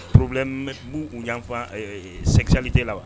Problème bɛ b'u u yanfa sexualité la wa?